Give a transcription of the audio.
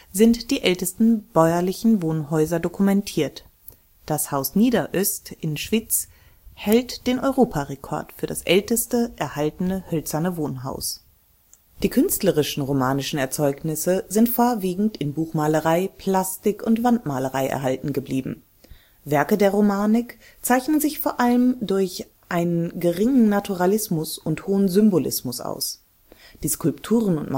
sind die ältesten bäuerlichen Wohnhäuser dokumentiert. Das Haus Niederöst hält den Europarekord für das älteste erhaltene hölzerne Wohnhaus. Die künstlerischen Erzeugnisse sind vorwiegend in Buchmalerei, Plastik und Wandmalerei erhalten geblieben. Werke der Romanik zeichnen sich vor allem durch einen geringen Naturalismus und hohen Symbolismus aus. Die Skulpturen und Malereien